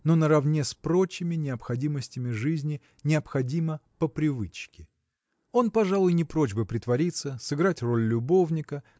но наравне с прочими необходимостями жизни необходима по привычке. Он пожалуй не прочь бы притвориться сыграть роль любовника